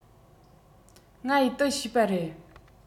ང ཡི ཏུ བྱས པ རེད